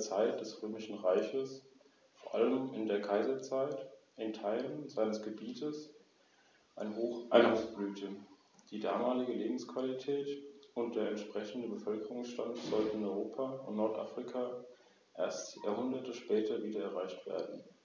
zusammenrollen.